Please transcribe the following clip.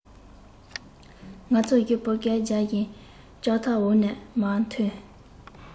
ང ཚོ བཞི པོ སྐད རྒྱག བཞིན ལྕག ཐབས འོག ནས མར ཐོན